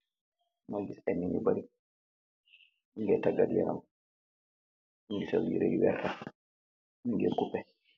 Magi giss ay nit yu bari nyu geh tagat yaram nyu gi sol yereh yu weex nyu geh kupeh.